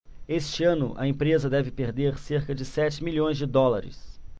este ano a empresa deve perder cerca de sete milhões de dólares